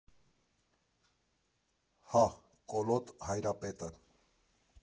֊ Հա, Կոլոտ Հայրապետը։